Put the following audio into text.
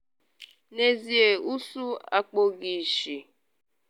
N’ezie ụsụ ekpughị isi.